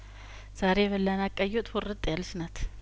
ዛሬ የበላናት ቀይወጥ ሁርጥ ያለችናት